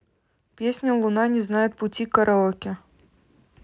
песня луна не знает пути караоке